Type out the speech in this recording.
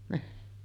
niin